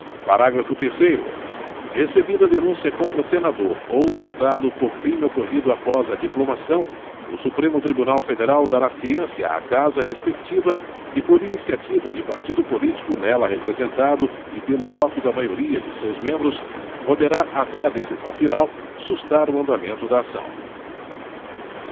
parágrafo terceiro recebida a denúncia contra senador ou deputado por crime ocorrido após a diplomação o supremo tribunal federal dará ciência à casa respectiva que por iniciativa de partido político nela representado e pelo voto da maioria de seus membros poderá até a decisão final sustar o andamento da ação